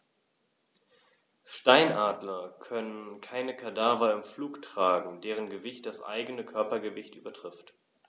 Steinadler können keine Kadaver im Flug tragen, deren Gewicht das eigene Körpergewicht übertrifft.